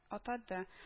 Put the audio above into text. Атады